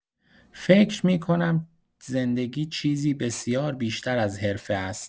فکر می‌کنم زندگی چیزی بسیار بیشتر از حرفه است.